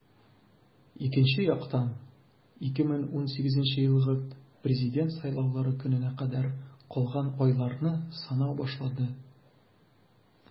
Икенче яктан - 2018 елгы Президент сайлаулары көненә кадәр калган айларны санау башланды.